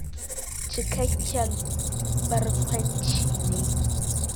Cikakken barkwanci ne.